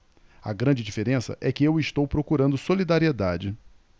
a grande diferença é que eu estou procurando solidariedade